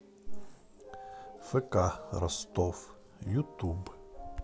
фк ростов ютуб